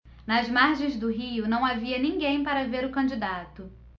nas margens do rio não havia ninguém para ver o candidato